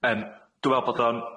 Yym dwi me'wl bod o'n